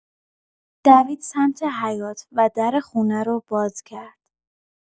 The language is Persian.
دوید سمت حیاط و در خونه رو باز کرد.